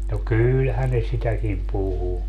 no kyllähän ne sitäkin puhui